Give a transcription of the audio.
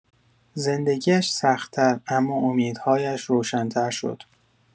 زندگی‌اش سخت‌تر، اما امیدهایش روشن‌تر شد.